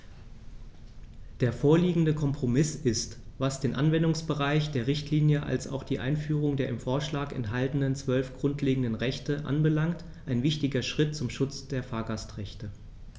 Der vorliegende Kompromiss ist, was den Anwendungsbereich der Richtlinie als auch die Einführung der im Vorschlag enthaltenen 12 grundlegenden Rechte anbelangt, ein wichtiger Schritt zum Schutz der Fahrgastrechte.